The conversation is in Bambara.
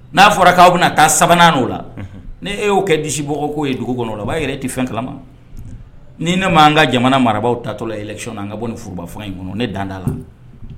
N'a fɔra k' aw bɛna taa sabanan o la ni e y'o kɛ disi bɔɔgɔ'o ye dugu kɔnɔ la a b'a yɛrɛ e tɛ fɛn kala ma ni ne ma anan ka jamana mara tatɔ la e yɛlɛcna anan ka bɔ nin furubafɔ in kɔnɔ ne danda la